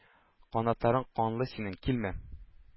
Канатларың канлы синең, килмә!